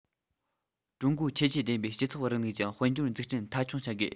ཀྲུང གོའི ཁྱད ཆོས ལྡན པའི སྤྱི ཚོགས རིང ལུགས ཀྱི དཔལ འབྱོར འཛུགས སྐྲུན མཐའ འཁྱོངས བྱ དགོས